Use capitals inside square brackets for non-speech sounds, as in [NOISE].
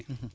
[HESITATION] [HESITATION]